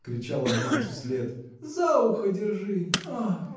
– кричала мать вслед, – за ухо держи. А!